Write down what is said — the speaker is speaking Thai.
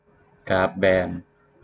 กราฟแบรนด์